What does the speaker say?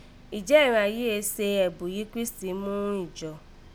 Ǹjẹ́ ìghàn yìí rèé se ẹ̀bùn yìí Krístì mú ghún ìjọ